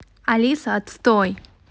алиса отстой